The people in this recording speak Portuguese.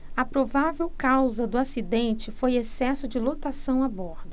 a provável causa do acidente foi excesso de lotação a bordo